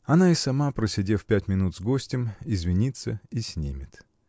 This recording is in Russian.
Она и сама, просидев пять минут с гостем, извинится и снимет.